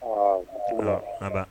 Don aba